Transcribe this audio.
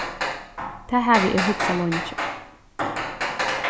tað havi eg hugsað leingi